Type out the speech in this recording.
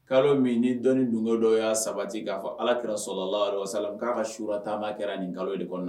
Kalo min ni dɔnni dunke dɔw y'a sabati k'a fɔ alakira sola laahu aleyihi wasalama sa k'a ka sura taama kɛra nin kalo de kɔnɔ